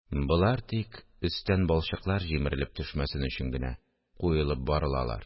Болар тик өстән балчыклар җимерелеп төшмәсен өчен генә куелып барылалар